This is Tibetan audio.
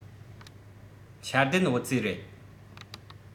འཆར ལྡན བུ བཙའི རེད